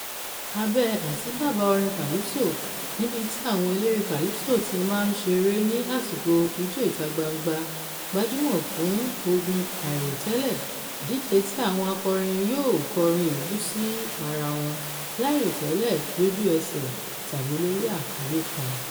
Abẹ́ àtíbàbà orin Calypso, níbi tí àwọn eléré calipso ti máa ń ṣeré ní àsìkò Ijó ìta-gbangba, gbajúmọ̀ fún "ogun àìròtẹ́lẹ̀ ", ìdíje tí àwọn akọrin yóò kọrin èébú sí ara wọn láì rò tẹ́lẹ̀ lójú ẹsẹ̀, tàbí lórí àkọ́lé kan.